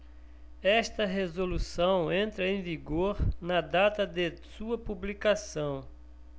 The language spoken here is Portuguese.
esta resolução entra em vigor na data de sua publicação